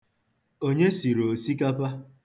Onye siri osikpa?